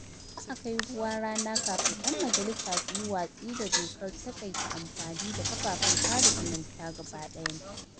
Za a kai-ruwa-rana kafin 'yan majalisar su yi watsi da dokar ta taƙaita amfani da kafafen sada zumunta gaba ɗayanta.